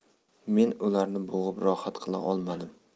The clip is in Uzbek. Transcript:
men ularni bo'g'ib rohat qila olmadim